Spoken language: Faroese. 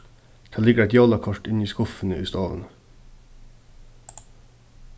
tað liggur eitt jólakort inni í skuffuni í stovuni